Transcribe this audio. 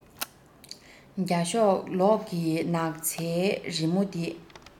རྒྱ ཤོག ལོགས ཀྱི སྣག ཚའི རི མོ འདི